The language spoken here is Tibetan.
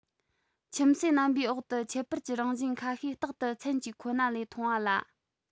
ཁྱིམ གསོས རྣམ པའི འོག ཏུ ཁྱད པར གྱི རང བཞིན ཁ ཤས རྟག ཏུ མཚན གཅིག ཁོ ན ལས མཐོང བ ལ